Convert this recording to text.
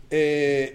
Ee